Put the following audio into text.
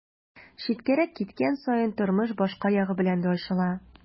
Читкәрәк киткән саен тормыш башка ягы белән дә ачыла.